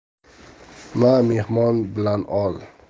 ma mehmon bilan ol